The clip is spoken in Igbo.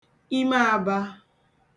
ime ābā